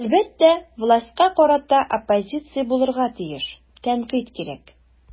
Әлбәттә, властька карата оппозиция булырга тиеш, тәнкыйть кирәк.